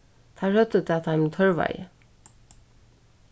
teir høvdu tað teimum tørvaði